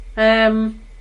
yym.